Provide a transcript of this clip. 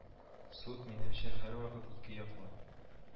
Суд, минемчә, һәрвакыт ике яклы